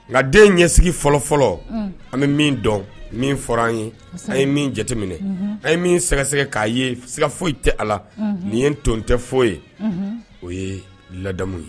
Nka den ɲɛsigi fɔlɔfɔlɔ an bɛ min dɔn min fɔra an ye ye min jateminɛ an ye min sɛgɛsɛgɛ k'a ye ska foyi tɛ a la nin ye n nton tɛ foyi ye o ye ladamu ye